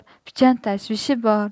pichan tashvishi bor